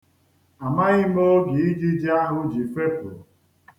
Amaghị m oge ijiji ahụ ji fepu.